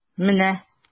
Менә...